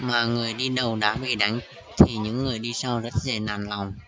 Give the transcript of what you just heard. mà người đi đầu đã bị đánh thì những người đi sau rất dễ nản lòng